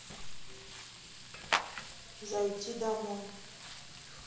зайти домой